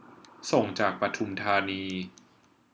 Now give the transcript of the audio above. ส่งจากปทุมธานี